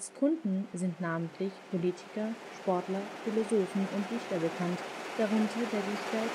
Kunden sind namentlich Politiker, Sportler, Philosophen und Dichter bekannt, darunter der Dichter